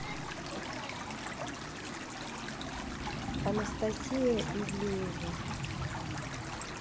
анастасия ивлеева